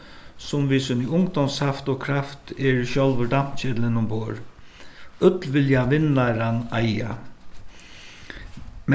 sum við síni ungdómssaft og -kraft eru sjálvir dampketilin umborð øll vilja vinnaran eiga